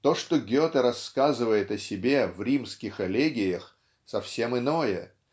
То, что Гете рассказывает о себе в "Римских элегиях", -- совсем иное